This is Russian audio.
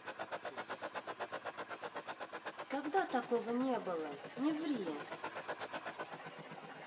когда такого не было не ври